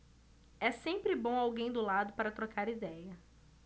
é sempre bom alguém do lado para trocar idéia